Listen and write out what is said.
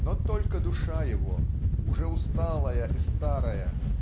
Но только душа его - уже усталая и старая